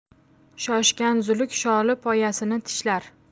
shoshgan zuluk sholi poyasini tishlar